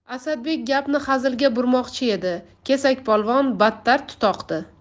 asadbek gapni hazilga burmoqchi edi kesakpolvon battar tutoqdi